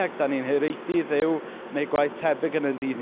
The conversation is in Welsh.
Ac dan ni'n hiraethu i Dduw wneud gwaith tebyg yn ein dydd ni.